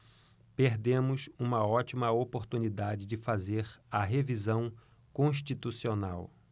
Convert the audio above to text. perdemos uma ótima oportunidade de fazer a revisão constitucional